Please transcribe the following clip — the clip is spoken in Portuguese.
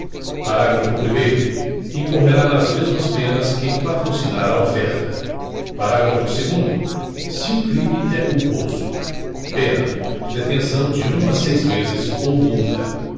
parágrafo primeiro incorrerá nas mesmas penas quem patrocinar a oferta parágrafo segundo se o crime é culposo pena detenção de um a seis meses ou multa